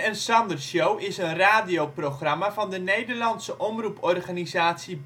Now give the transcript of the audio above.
Sander Show is een radioprogramma van de Nederlandse omroeporganisatie